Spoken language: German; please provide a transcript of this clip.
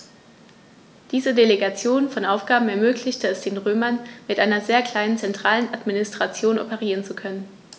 Diese Delegation von Aufgaben ermöglichte es den Römern, mit einer sehr kleinen zentralen Administration operieren zu können.